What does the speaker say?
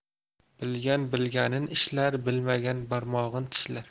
bilgan bilganin ishlar bilmagan barmog'in tishlar